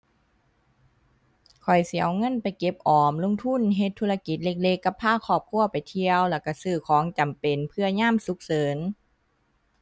ข้อยสิเอาเงินไปเก็บออม ลงทุน เฮ็ดธุรกิจเล็กเล็กกับพาครอบครัวไปเที่ยว แล้วก็ซื้อของจำเป็นเผื่อยามฉุกเฉิน